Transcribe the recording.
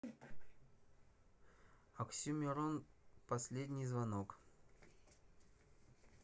оксимирон последний звонок